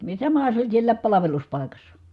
samahan se oli siellä palveluspaikassa